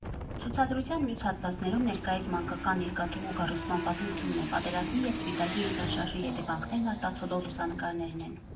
Ցուցադրության մյուս հատվածներում ներկայիս մանկական երկաթուղու կառուցման պատմությունն է, պատերազմի և Սպիտակի երկրաշարժի հետևանքներն արտացոլող լուսանկարներն են։